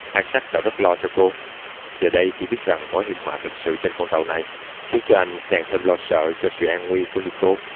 isaac đã rất lo cho cô giờ đây khi biết rằng mối hiểm họa thực sự trên con tàu này khiến cho anh càng thêm lo sợ cho sự an nguy của nicole